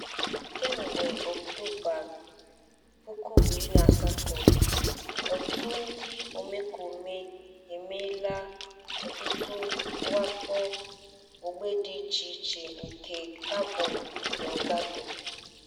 Kemgbe Ọktoba 2017, òtù ndị omekome a emeela ọtụtụ mwakpo n'ógbè dị icheiche nke Cabo Delgado.